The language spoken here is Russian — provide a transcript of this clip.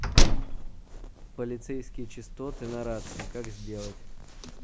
полицейские частоты на рации как сделать